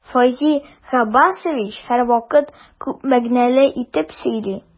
Фәйзи Габбасович һәрвакыт күп мәгънәле итеп сөйли.